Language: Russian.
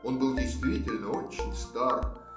Он был действительно очень стар